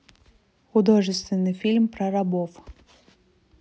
художественный фильм про рабов